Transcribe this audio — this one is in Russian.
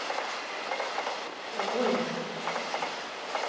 довольно